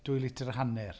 Dwy litr a hanner.